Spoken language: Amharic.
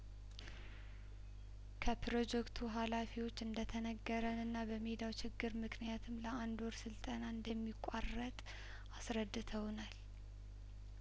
ከፕሮጀክቱ ሀላፊዎች እንደተነገረንና በሜዳው ችግር ምክንያትም ለአንድ ወር ስልጠና እንደሚቋረጥ አስረድተውናል